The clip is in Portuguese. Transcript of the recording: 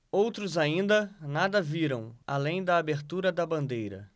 outros ainda nada viram além da abertura da bandeira